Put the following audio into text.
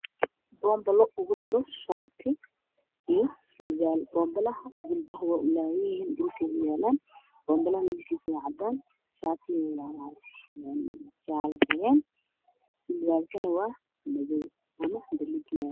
Boombale ugu jiro shaati io surwaal boonbalaha cirbaha way ulaaban yihiin boonbalaha midabkiisu waa cadaan shaatiga jaale xigeen surwaalkana waa baluug